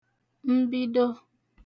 mbido